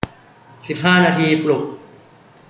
สิบห้านาทีปลุก